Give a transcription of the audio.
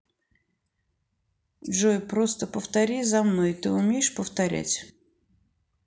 джой просто повтори за мной ты умеешь повторять